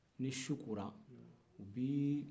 ni su kora u bɛ